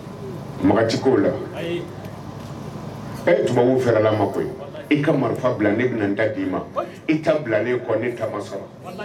Makan ko la tuma fɛla ma koyi i ka marifa bila ne bɛ n da d' ma i bilalen kɔ ne taama sɔrɔ